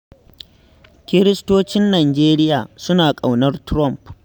Kiristocin Najeriya suna ƙaunar Trumph.